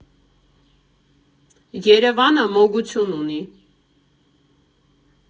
Երևանը մոգություն ունի։